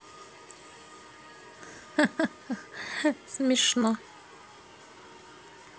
ха ха ха смешно